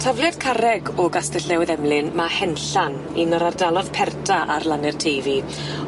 Tafliad carreg o Gastell Newydd Emlyn ma' Henllan, un o'r ardalodd perta ar lane'r Teifi